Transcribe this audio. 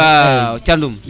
waaw Thiandoum